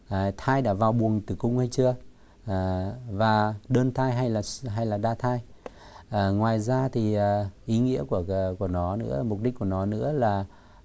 à thai đã vào buồng tử cung hay chưa à và đơn thai hay là hay là đa thai à ngoài ra thì ý nghĩa của của nó nữa mục đích của nó nữa là